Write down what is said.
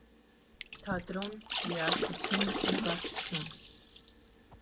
Թատրոն, երաժշտություն, նկարչություն։